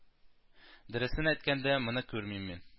Дөресен әйткәндә, моны күрмим мин